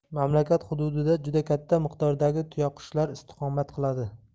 mamlakat hududida juda katta miqdordagi tuyaqushlar istiqomat qiladi